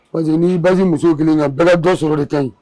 Parce que n'i basi muso kelen ka bɛɛ dɔ sɔrɔ de ka ɲi